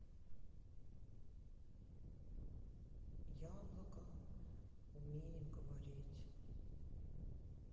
яблоко умеет говорить